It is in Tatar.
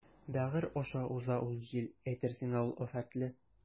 Бәгырь аша уза ул җил, әйтерсең лә ул афәтле.